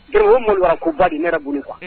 Dɔnku o malo ko ba di n boli kuwa